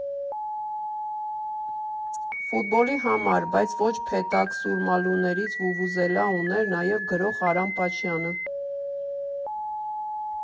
Ֆուտբոլի համար, բայց ոչ փեթակսուրմալուներից վուվուզելա ուներ նաև գրող Արամ Պաչյանը։